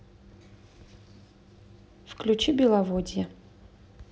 включи беловодье